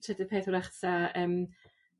trydydd peth 'w'rach 'sa yym